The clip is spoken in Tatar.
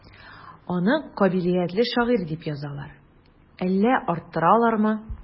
Аны кабилиятле шагыйрь дип язалар, әллә арттыралармы?